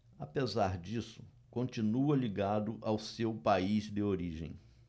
apesar disso continua ligado ao seu país de origem